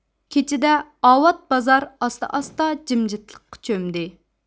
كېچىدە ئاۋات بازار ئاستا ئاستا جىمجىملىققا چۆمدى